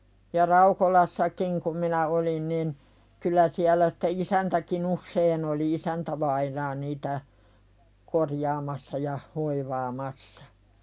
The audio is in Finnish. ja Raukolassakin kun minä olin niin kyllä siellä sitten isäntäkin usein oli isäntävainaa niitä korjaamassa ja hoivaamassa